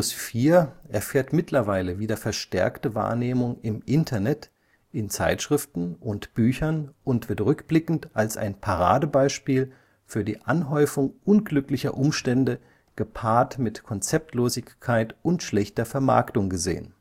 Plus/4 erfährt mittlerweile wieder verstärkte Wahrnehmung im Internet, in Zeitschriften und Büchern und wird rückblickend als ein Paradebeispiel für die Anhäufung unglücklicher Umstände, gepaart mit Konzeptlosigkeit und schlechter Vermarktung, gesehen